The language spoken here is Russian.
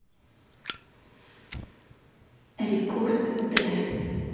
рекорд d